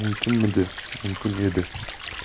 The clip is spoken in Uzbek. mumkinmidi mumkin edi